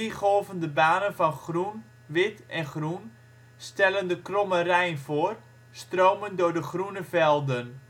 golvende banen van groen, wit en groen stellen de Kromme Rijn voor, stromend door de groene velden